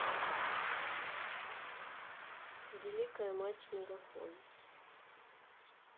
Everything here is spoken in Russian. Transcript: великая мать мегафон